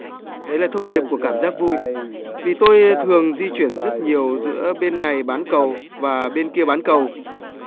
đấy là thông điệp của cảm giác vui vì tôi thường di chuyển rất nhiều giữa bên này bán cầu và bên kia bán cầu